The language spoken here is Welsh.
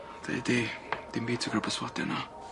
Deud di, dim fi sy gor'o' perswadio nw.